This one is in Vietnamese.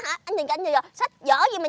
anh nhìn cái gì vậy sách vở